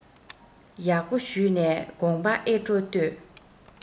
ཡག པོ ཞུས ནས དགོངས པ ཨེ སྤྲོ ལྟོས